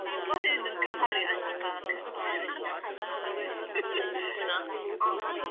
dim bo' hyn yn gymhariaeth a cystadleuaeth iawn gwrandawyr... Na ddim o gwbwl. ...ond